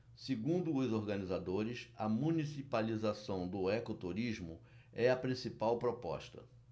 segundo os organizadores a municipalização do ecoturismo é a principal proposta